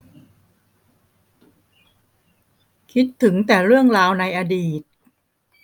คิดถึงแต่เรื่องราวในอดีต